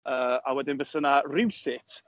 Yy, a wedyn byse 'na rywsut...